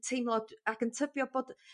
teimlo d- ag yn tybio bod